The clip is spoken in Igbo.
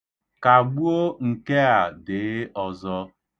Kagbuo nke a dee ọzọ.